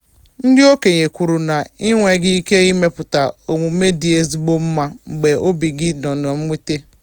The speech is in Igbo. Ndị okenye kwuru na, ịnweghị ike ịmepụta omume dị ezigbo mma mgbe obi gị nọ na mwute.